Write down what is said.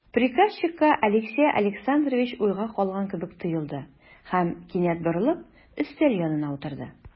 Приказчикка Алексей Александрович уйга калган кебек тоелды һәм, кинәт борылып, өстәл янына утырды.